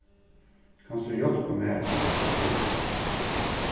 kanst tú hjálpa mær at vaska upp